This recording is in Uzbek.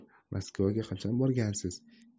moskvaga qachon borgandingiz